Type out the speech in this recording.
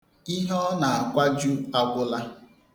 Ihe ọ na-akwaju agwụla.